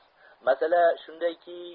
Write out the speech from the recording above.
masala shunda ki